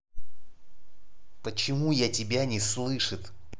почему я тебя не слышит